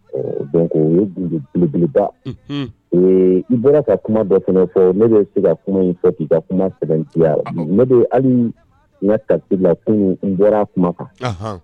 Euh donc o ye bele belebeleba unhun ee i bɔra ka kuma dɔ fɛnɛ fɔ ne bɛ se ka kuma in fɔ k'i ka kuma sɛbɛntiya ah bon ne be halii ŋa calcul la kunun n bɔr'a kuma kan anhan